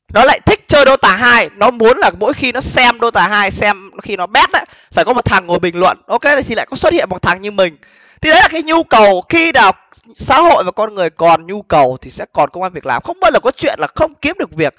nó lại thích chơi đô tà hai nó muốn là mỗi khi nó xem đô tà hai xem khi nó bép á phải có một thằng ngồi bình luận ô kê thì lại xuất hiện một thằng như mình thì đấy là cái nhu cầu khi nào xã hội và con người còn nhu cầu thì sẽ còn công ăn việc làm không bao giờ có chuyện là không kiếm được việc